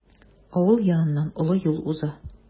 Авыл яныннан олы юл уза.